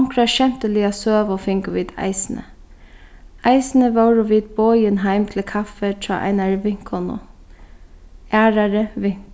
onkra skemtiliga søgu fingu vit eisini eisini vórðu vit boðin heim til kaffi hjá einari vinkonu aðrari